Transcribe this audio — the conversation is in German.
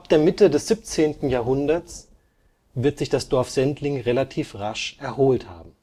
Mitte des 17. Jahrhunderts wird sich das Dorf Sendling relativ rasch erholt haben